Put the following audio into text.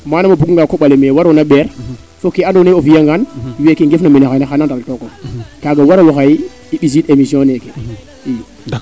manam o buga nga koɓale mee waroona ɓeer fo kee ando naye o fiya ngaan weeke ndefna meeke xana ndal tokof kaga waralu xaye i mbisiid emission neeke i